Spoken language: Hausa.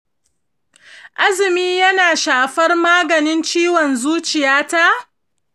azumi yana shafar maganin ciwon zuciyata?